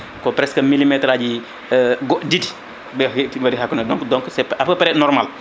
ko presque millimétre aji ɗiɗi ɓe waɗi ɓe heddi hakkude donc c' est à peut prés normal